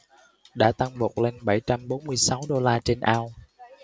đã tăng vọt lên bảy trăm bốn mươi sáu đô la trên ounce